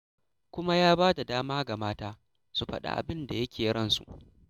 Kuma ya ba da dama ga mata su faɗi abin da ya ke ransu.